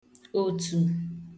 òtù